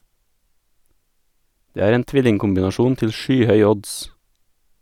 Det er en tvillingkombinasjon til skyhøy odds.